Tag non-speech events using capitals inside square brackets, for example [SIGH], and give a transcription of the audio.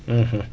[HESITATION] [HESITATION]